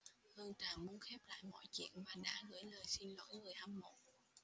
hương tràm muốn khép lại mọi chuyện và đã gửi lời xin lỗi người hâm mộ